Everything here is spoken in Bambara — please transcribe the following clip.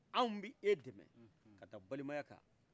anw bɛ e dɛmɛ ka da balimaya kan